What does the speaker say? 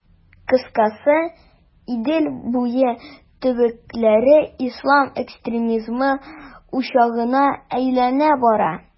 Кыскасы, Идел буе төбәкләре ислам экстремизмы учагына әйләнә бара.